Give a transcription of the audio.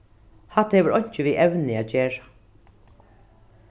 hatta hevur einki við evnið at gera